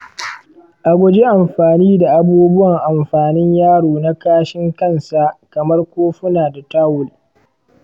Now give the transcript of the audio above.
a guji amfani da abubuwan amfanin yaro na kashin kansa kamar kofuna da tawul.